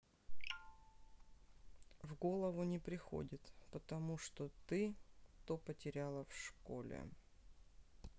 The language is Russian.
в голову не приходит потому что ты то потеряла в школе